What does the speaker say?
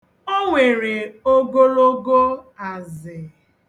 O nwere ogologo azị.